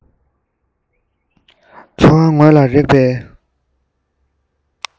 ཚོར བ དངོས ལ རེག པའི